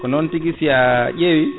ko non tigui si a ƴeewi